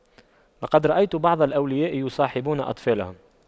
لقد رأيت بعض الأولياء يصاحبون أطفالهم